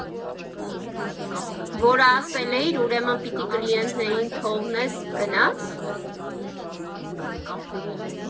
Որ ասել էիր, ուրեմն պիտի կլիենտներին թողնես՝ գնա՞ս։